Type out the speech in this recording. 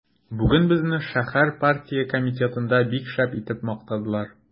Бүген безне шәһәр партия комитетында бик шәп итеп мактадылар.